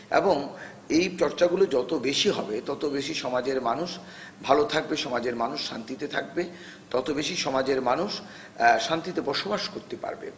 এবং এই চর্চা গুলো যত বেশি হবে ততবেশি সমাজের মানুষ ভালো থাকবে সমাজের মানুষ দিতে থাকবে ততবেশি সমাজের মানুষ শান্তিতে বসবাস করতে পারবে